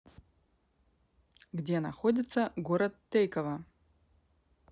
где находится город тейково